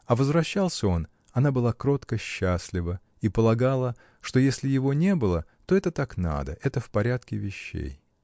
А возвращался он, — она была кротко счастлива и полагала, что если его не было, то это так надо, это в порядке вещей.